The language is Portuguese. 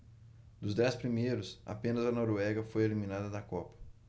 dos dez primeiros apenas a noruega foi eliminada da copa